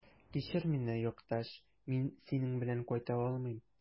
Кичер мине, якташ, мин синең белән кайта алмыйм.